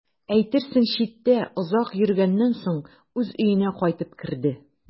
Әйтерсең, читтә озак йөргәннән соң үз өенә кайтып керде.